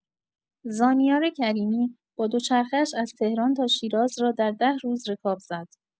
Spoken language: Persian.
زانیار کریمی، با دوچرخه‌اش از تهران تا شیراز را در ده روز رکاب زد.